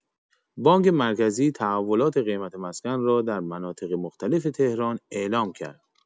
بانک مرکزی تحولات قیمت مسکن را در مناطق مختلف تهران اعلام کرد.